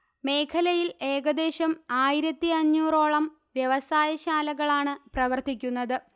മേഖലയിൽ ഏകദേശം ആയിരത്തി അഞ്ഞൂറ് ഓളം വ്യവസായ ശാലകളാണ് പ്രവർത്തിക്കുന്നത്